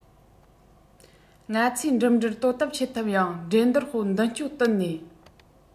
ང ཚོས འགྲིམ འགྲུལ དོ དམ བྱེད ཐབས ཡང འགྲན བསྡུར དཔུང མདུན བསྐྱོད བསྟུན ནས